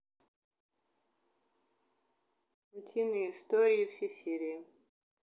утиные истории все серии